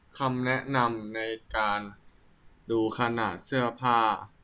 คำแนะนำในการดูขนาดเสื้อผ้า